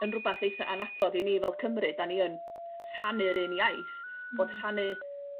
yn rwbath eitha annatod i ni fel Cymry 'dan ni yn rhannu'r un iaith bod rhannu